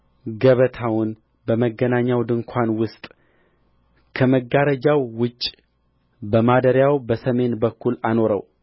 ገበታውን በመገናኛው ድንኳን ውስጥ ከመጋረጃው ውጭ በማደሪያው በሰሜን በኩል አኖረው